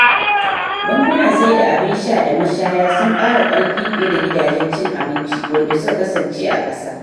Rumfunan saida abin sha da mashaya sun kara ƙarfi fiye da gidajen cin abinci wanda suka kasance a ƙasa.